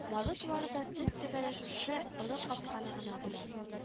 Малы-туары да төз түбәле шушы олы капканы гына белә